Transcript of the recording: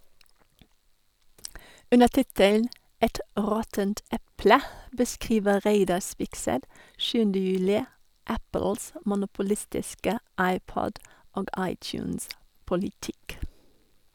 Under tittelen «Et råttent eple » beskriver Reidar Spigseth 7. juli Apples monopolistiske iPod- og iTunes -politikk.